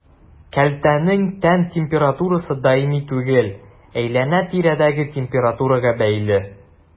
Кәлтәнең тән температурасы даими түгел, әйләнә-тирәдәге температурага бәйле.